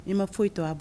I man foyi